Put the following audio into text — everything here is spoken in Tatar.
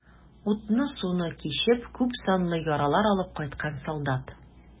Утны-суны кичеп, күпсанлы яралар алып кайткан солдат.